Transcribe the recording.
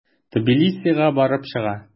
Тбилисига барып чыга.